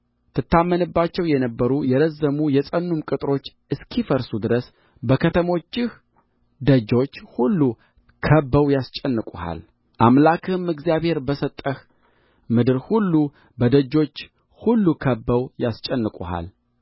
ትታመንባቸው የነበሩ የረዘሙ የጸኑም ቅጥሮች እስኪፈርሱ ድረስ በከተሞችህ ደጆች ሁሉ ከብበው ያስጭንቁሃል አምላክህም እግዚአብሔር በሰጠህ ምድር ሁሉ በደጆች ሁሉ ከብበው ያስጨንቁሃል